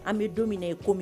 An bɛ don min ye komimi